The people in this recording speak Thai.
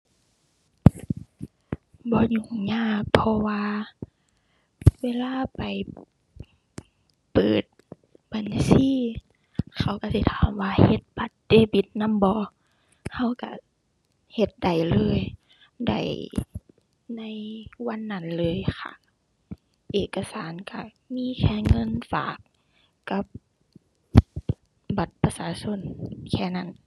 บ่ยุ่งยาก เพราะว่าเวลาไปเปิดบัญชีเขาก็สิถามว่าเฮ็ดบัตรเดบิตนำบ่ ก็ก็เฮ็ดได้เลย ได้ในวันนั้นเลยค่ะ เอกสารก็มีแค่เงินฝากกับบัตรประชาชนแค่นั้น